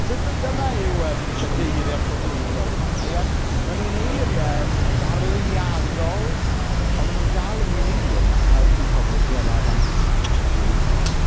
So dy- dyma yw yym y geiriau proffwydol yma. Mae yym, ma' nhw'n eiriau darluniadol, ond maen nhw dal ynglyn â helpu pobl gyrraedd at y gwir.